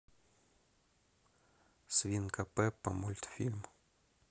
свинка пеппа мультфильм